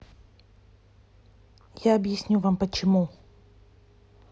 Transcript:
я объясню вам почему